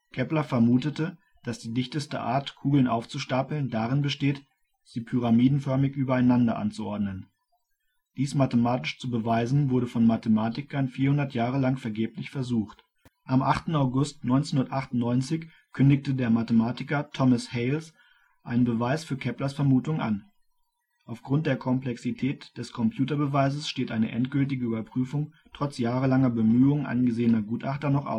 Kepler vermutete, dass die dichteste Art, Kugeln aufzustapeln, darin besteht, sie pyramidenförmig übereinander anzuordnen. Dies mathematisch zu beweisen, wurde von Mathematikern 400 Jahre lang vergeblich versucht. Am 8. August 1998 kündigte der Mathematiker Thomas Hales einen Beweis für Keplers Vermutung an. Auf Grund der Komplexität des Computerbeweises steht eine endgültige Überprüfung trotz jahrelanger Bemühungen angesehener Gutachter